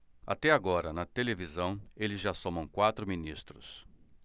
até agora na televisão eles já somam quatro ministros